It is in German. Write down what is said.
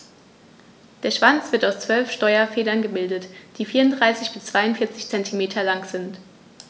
Der Schwanz wird aus 12 Steuerfedern gebildet, die 34 bis 42 cm lang sind.